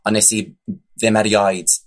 On' nes i ddim erioed